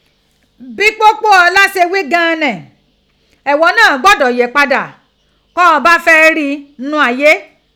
Bí Pópóọlá ṣe ghigan an ni, ìghọ náà gbọ́dọ̀ yí padà kó o bá fẹ́ rí n nú ayé.